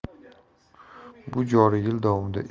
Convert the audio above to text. bu joriy yil davomida